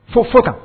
Fo fo kan